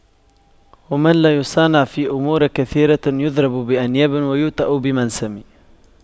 ومن لا يصانع في أمور كثيرة يضرس بأنياب ويوطأ بمنسم